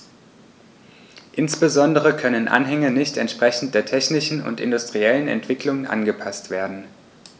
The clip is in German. Insbesondere können Anhänge nicht entsprechend der technischen und industriellen Entwicklung angepaßt werden.